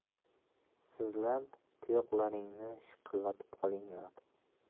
sizlar tuyoqlaringni shiqillatib qolinglar